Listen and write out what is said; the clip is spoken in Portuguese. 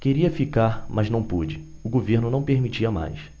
queria ficar mas não pude o governo não permitia mais